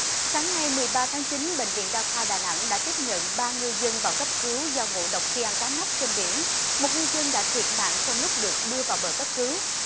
sáng nay mười ba tháng chín bệnh viện đa khoa đà nẵng đã tiếp nhận ba ngư dân vào cấp cứu do ngộ độc khi ăn cá nóc trên biển một ngư dân đã thiệt mạng trong lúc được đưa vào bờ cấp cứu